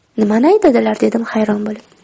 nimani aytadilar dedim hayron bo'lib